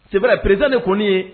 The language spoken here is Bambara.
Sɛ perete ni kɔni ye